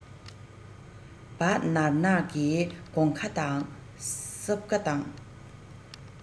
སྦ ནར ནག གི གོང ཁ དང སྲབ ག དང